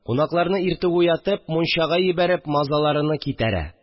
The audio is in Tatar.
Кунакларны иртүк уятып, мунчага җибәреп, мазаларыны китәрә